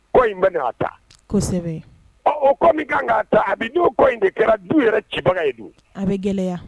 Ko ta kosɛbɛ ta a bɛ kɔ in de kɛra du yɛrɛ ci ye a bɛ gɛlɛyaya